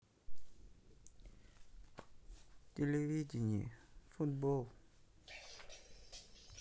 телевидение футбол